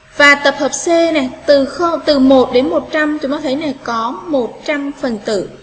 bài tập hợp c này từ từ đến từ máy này có phần tử